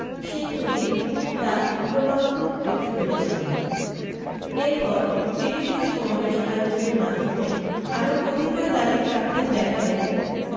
শেখ মুজিব তা ক্রমাগত উপেক্ষা করে চলেন এরপর বিভিন্ন সামবেশ আয়োজনের মাধ্যমে আরো কতিপয় দাবী প্রাপ্তির ব্যাপারে